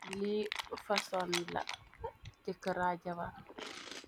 Lii fason la, jëkk ra jabar.